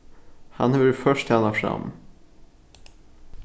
hann hevur ført hana fram